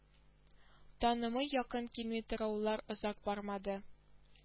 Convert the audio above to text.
Танымый якын килми торулар озакка бармады